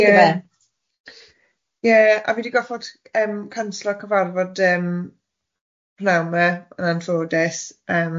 iddo fe. Ie ie a fi di goffod yym canslo cyfarfod yym pnawn ma yn anffodus yym,